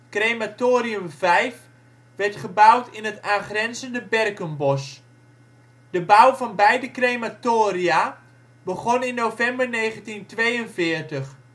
Crematorium V werd gebouwd in het aangrenzende berkenbos. De bouw van beide crematoria begon in november 1942. Crematorium